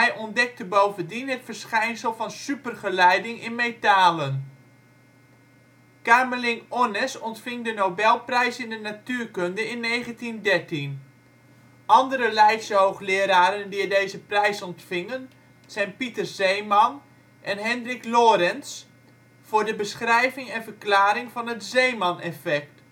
ontdekte bovendien het verschijnsel van supergeleiding in metalen. Kamerlingh Onnes ontving de Nobelprijs in de natuurkunde in 1913. Andere Leidse hoogleraren die deze prijs ontvingen zijn Pieter Zeeman en Hendrik Lorentz voor de beschrijving en verklaring van het Zeemaneffect